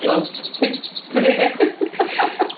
God, be? .